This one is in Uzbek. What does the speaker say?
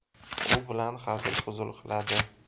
u bilan hazil huzul qiladi